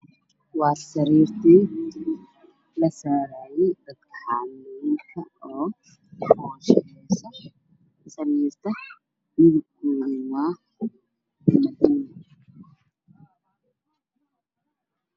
Waa saladii lagu soo adeganayay mideb keedu waa madow waxaana ku jiro yaanyo